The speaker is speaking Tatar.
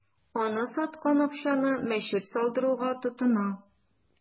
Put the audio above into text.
Аны саткан акчаны мәчет салдыруга тотына.